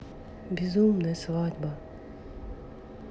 безумная свадьба